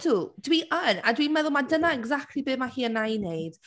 Ydw, dwi yn. A dwi’n meddwl mai dyna exactly be mae hi yna i wneud.